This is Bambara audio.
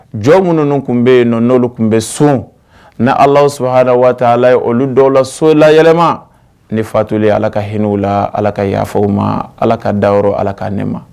Jɔn minnu tun bɛ yen n nɔn'olu tun bɛ sun ni alahara waa ye olu dɔw la so lay yɛlɛmaɛlɛma ne fatulen ala ka hinɛw la ala ka yafafaw ma ala ka dayɔrɔ ala ka ne ma